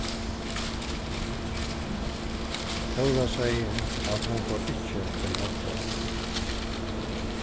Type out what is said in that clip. tóra segði at hon fór ikki at hjálpa okkum